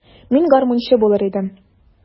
Мин гармунчы булыр идем.